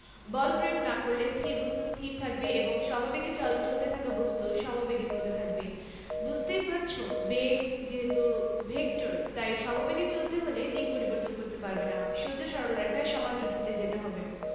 আমরা এখন পর্যন্ত ভর নিয়ে একটি কথাও বলিনি কিন্তু কোনো কিছুর গতি সম্পর্কে জানতে চাইলে আমাদের সেটির ভর সম্পর্কে জানতে হয়